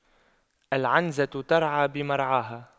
العنزة ترعى بمرعاها